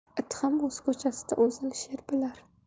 it ham o'z ko'chasida o'zini sher bilar